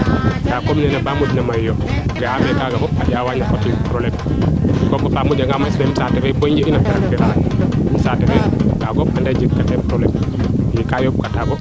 ndaa comme nene baa moƴna may bo i njeg ina a tracteur xaye saate fe kaaga fop ande jeg ka tee probleme i kaa yoomb kaa